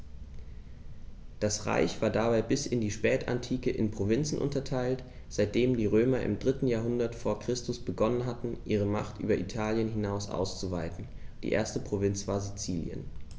Das Reich war dabei bis in die Spätantike in Provinzen unterteilt, seitdem die Römer im 3. Jahrhundert vor Christus begonnen hatten, ihre Macht über Italien hinaus auszuweiten (die erste Provinz war Sizilien).